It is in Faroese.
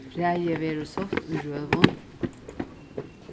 fræið verður sátt í røðum